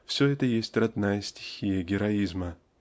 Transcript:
-- все это есть родная стихия героизма.